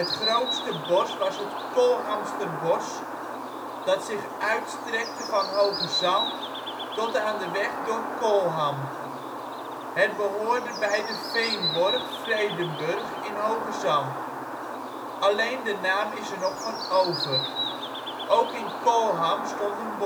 grootste bos was het " Kolhamster bos ", dat zich uitstrekte van Hoogezand tot aan de weg door Kolham. Het behoorde bij de veenborg Vredenburg in Hoogezand. Alleen de naam is er nog van over. Ook in Kolham stond een borg